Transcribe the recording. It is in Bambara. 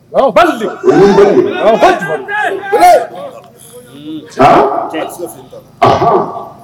Cɛ